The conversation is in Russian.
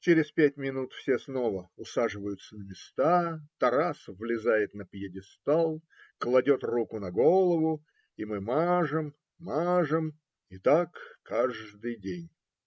Через пять минут все снова усаживаются на места, Тарас влезает на пьедестал, кладет руку на голову, и мы мажем, мажем. И так каждый день.